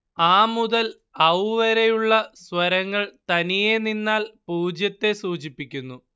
അ മുതൽ ഔ വരെയുള്ള സ്വരങ്ങൾ തനിയേ നിന്നാൽ പൂജ്യത്തെ സൂചിപ്പിക്കുന്നു